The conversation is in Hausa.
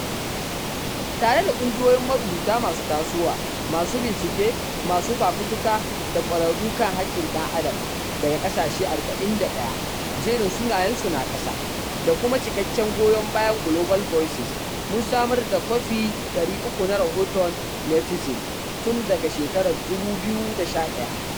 Tare da ƙungiyoyin marubuta masu tasowa, masu bincike, masu fafutuka da ƙwararru kan haƙƙin ɗan adam daga ƙasashe 41 (jerin sunayensu na ƙasa), da kuma cikakken goyon bayan Global Voices, mun samar da kwafi 300 na Rahoton Netizen tun daga shekarar 2011.